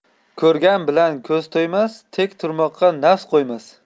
ko'rgan bilan ko'z to'ymas tek turmoqqa nafs qo'ymas